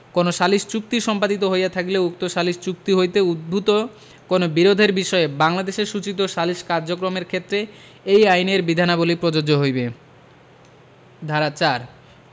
কোন সালিস চুক্তি সম্পাদিত হইয়া থাকিলে উক্ত সালিস চুক্তি হইতে উদ্ভুত কোন বিরোধের বিষয়ে বাংলাদেশে সূচিত সালিস কার্যক্রমের ক্ষেত্রে এই আইনের বিধানাবলী প্রযোজ্য হইবে ধারা ৪